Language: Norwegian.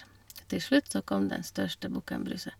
Til slutt så kom den største bukken Bruse.